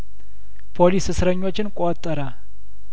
ፖሊስ እስረኞችን ቆጠረ